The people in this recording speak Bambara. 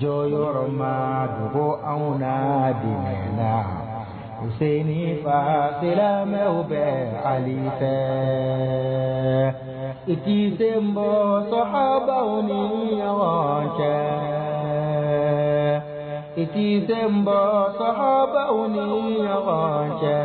Jɔyɔrɔ ma dogo an na dɛmɛ la se fa siran mɛ u bɛ ali fɛ ikisebɔba n cɛ ikisebɔ n cɛ